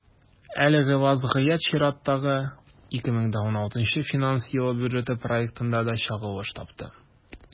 Әлеге вазгыять чираттагы, 2016 финанс елы бюджеты проектында да чагылыш тапты.